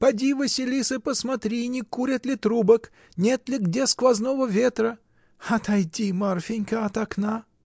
— Поди, Василиса, посмотри, не курят ли трубок? Нет ли где сквозного ветра? Отойди, Марфинька, от окна!